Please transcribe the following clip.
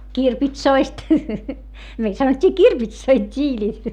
kirpitsoista meillä sanottiin kirpitsoiksi tiilet